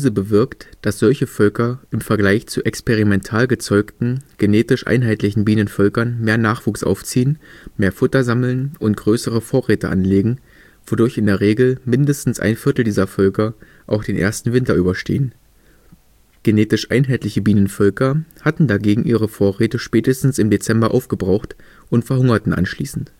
bewirkt, dass solche Völker im Vergleich zu experimental erzeugten genetisch einheitlichen Bienenvölkern mehr Nachwuchs aufziehen, mehr Futter sammeln und größere Vorräte anlegen, wodurch in der Regel mindestens ein Viertel dieser Völker auch den ersten Winter überstehen. Genetisch einheitliche Bienenvölker hatten dagegen ihre Vorräte spätestens im Dezember aufgebraucht und verhungerten anschließend